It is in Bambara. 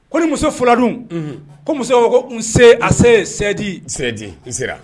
Ko ni muso fɔlɔla dun ko muso ko n a se sɛji sɛji n sera